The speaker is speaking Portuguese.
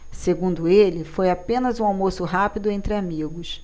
segundo ele foi apenas um almoço rápido entre amigos